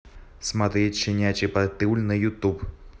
смотреть щенячий патруль на ютуб